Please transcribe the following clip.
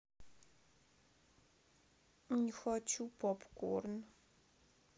не хочу попкорн